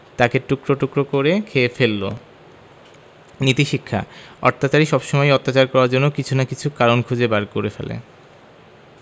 তাকে টুকরো টুকরো করে খেয়ে ফেলল নীতিশিক্ষাঃ অত্যাচারী সবসময়ই অত্যাচার করার জন্য কিছু না কিছু কারণ খুঁজে বার করে ফেলে